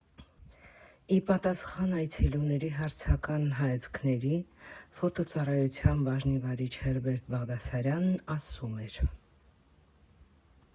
Ի պատասխան այցելուների հարցական հայացքների՝ ֆոտոծառայության բաժնի վարիչ Հերբերտ Բաղդասարյանն ասում էր.